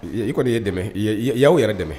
I ye i ye kɔnni dɛmɛ, i y'aw yɛrɛ dɛmɛ.